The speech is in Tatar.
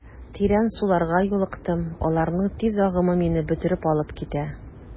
Тирән суларга юлыктым, аларның тиз агымы мине бөтереп алып китә.